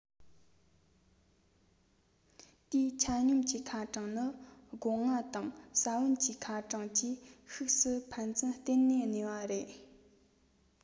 དེའི ཆ སྙོམ གྱི ཁ གྲངས ནི སྒོ ང དང ས བོན གྱི ཁ གྲངས ཀྱི ཤུགས སུ ཕན ཚུན བརྟེན ནས གནས པ རེད